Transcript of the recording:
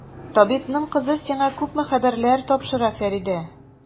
Табибның кызы сиңа күпме хәбәрләр тапшыра, Фәридә!